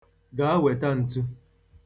Gaa weta ntu.